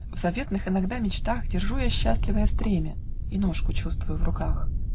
В заветных иногда мечтах Держу я счастливое стремя. И ножку чувствую в руках